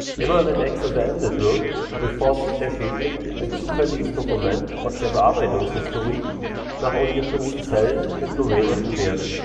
Immer, wenn Excel beendet wird, durchforstet der Schädling ein zufälliges Dokument aus der Bearbeitungs-History nach ungeschützten Zellen mit numerischen Werten